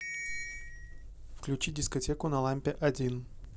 включи дискотеку на лампе один